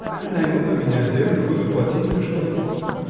— Они наймут у меня землю, будут платить мне что-нибудь.